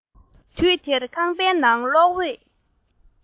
དུས དེར ཁང པའི ནང གློག འོད